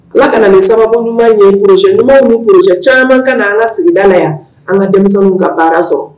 Ala kana ni sababu n ɲɛɔriresi ni psi caman ka na an ka sigidala yan an ka denmisɛnww ka baara sɔrɔ